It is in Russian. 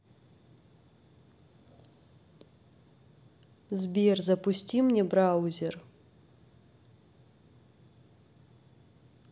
сбер запусти мне браузер